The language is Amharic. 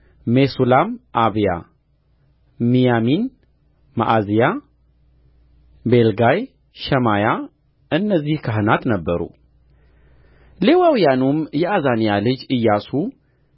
ሜሱላም አብያ ሚያሚን መዓዝያ ቤልጋል ሸማያ እነዚህ ካህናት ነበሩ ሌዋውያኑም የአዛንያ ልጅ ኢያሱ